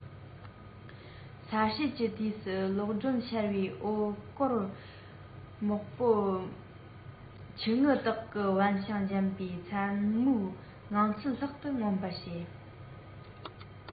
ས སྲོས ཀྱི དུས སུ གློག སྒྲོན ཤར བའི འོད གོར མོག པོ ཆུ ངུ དག གི ནི དབེན ཞིང འཇགས པའི མཚན མོའི ངང ཚུལ ལྷག ཏུ མངོན པར བྱེད